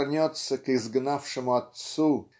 вернется к изгнавшему Отцу